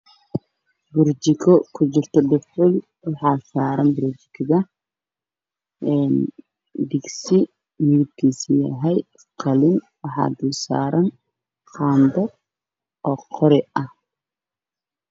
Burjiko kujirto dhuxul waxaa saaran digsi waxaa dul saaran qaado qori ah